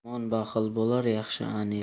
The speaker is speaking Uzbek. yomon baxil bo'lar yaxshi anil